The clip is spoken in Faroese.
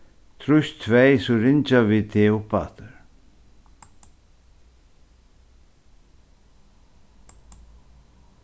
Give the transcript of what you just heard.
trýst tvey so ringja vit teg uppaftur